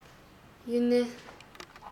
ལས ཀའི བྱེད ཐབས བཅས སི ཁྲོན དང